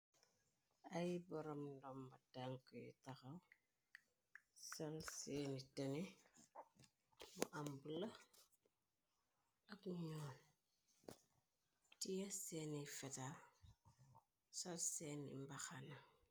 Ay boram ndomba tanka yu taxaw sol seeni tenni mu am bulo ak nuul tiyex seeni fetel sol seeni mbaxana.